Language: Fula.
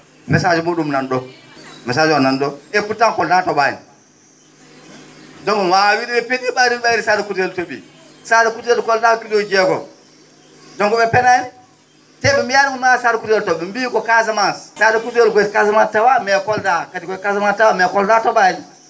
message muu?um nan ?o message o nan?o e pourtant Kolda to?aani donc mi waawaa wiide ?e penii ?ayde Sare Koutayel to?ii Sare Koutayel Kolda kilooji leegom donc ?e penaani te mbiyaani maa Sare Koutayel to? ?e mbi ko Casamance Sare Koutayel koye tawaa amis Kolda koye Casamnace tawaa mais kolda to?aani